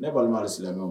Ne balima alisilamɛw